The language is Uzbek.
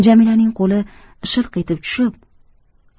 jamilaning qo'li shilq etib tushib